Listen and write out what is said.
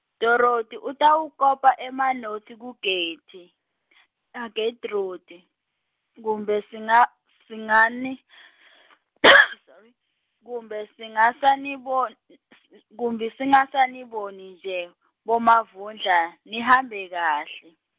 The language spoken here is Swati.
Dorothi utawukopa emanotsi ku Getty , Getrude, kumbe singa- singani , sorry, kumbe singasaniboni , kumbe singasanibonii nje, boMavundla, nihambe kahle.